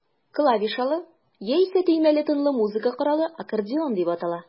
Клавишалы, яисә төймәле тынлы музыка коралы аккордеон дип атала.